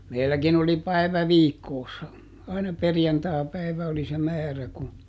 meilläkin oli päivä viikossa aina perjantaipäivä oli se määrä kun